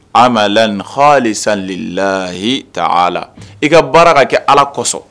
A la nin h sali lahi ta a la i ka baara ka kɛ ala kosɔn